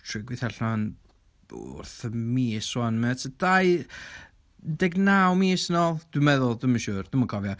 trio gweithio allan wrth y mis 'wan ma' tua dau, un deg naw mis yn ol dwi'n meddwl, dwi ddim yn siŵr, dwi ddim yn cofio.